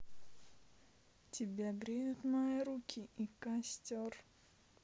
тебя греют мои руки и костер